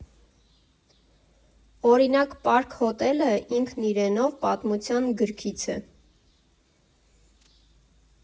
Օրինակ՝ «Պարկ Հոթելը» ինքն իրենով պատմության գրքից է։